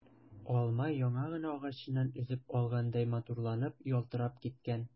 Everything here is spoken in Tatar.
Алма яңа гына агачыннан өзеп алгандай матурланып, ялтырап киткән.